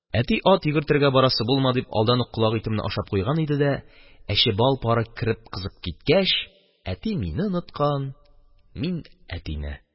Әти, ат йөгертергә барасы булма, дип, алдан ук колак итемне ашап куйган иде дә, әче бал пары кереп кызып киткәч, әти мине оныткан, мин – әтине.